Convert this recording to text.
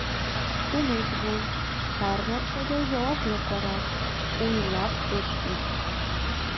Тыныч бул, һәрнәрсәгә җаваплы кара, уйлап эш ит.